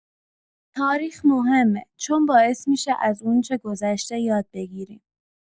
تاریخ مهمه چون باعث می‌شه از اونچه گذشته یاد بگیریم.